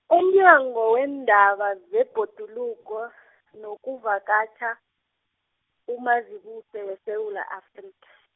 umnyango weendaba zebhoduluko , nokuvakatjha, uMazibuse weSewula Afrik- .